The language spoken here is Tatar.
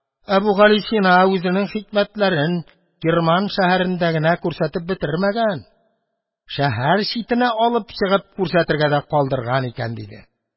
Әбүгалисина үзенең хикмәтләрен Кирман шәһәрендә генә күрсәтеп бетермәгән, шәһәр читенә алып чыгып күрсәтергә дә калдырган икән! – диде.